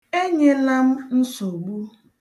Enyela m nsogbu.